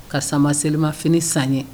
Ka samama selimaf san ye